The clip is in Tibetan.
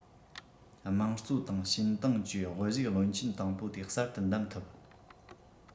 དམངས གཙོ ཏང ཞིན ཏང བཅས དབུ བཞུགས བློན ཆེན དང པོ དེ གསར དུ བདམས ཐུབ